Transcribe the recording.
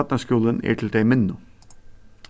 barnaskúlin er til tey minnu